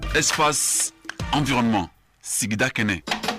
Esfa an dɔrɔn sigida kɛnɛ